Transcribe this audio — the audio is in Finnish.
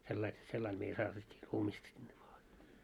sillä lailla sillä lailla meillä saatettiin ruumista sinne maahan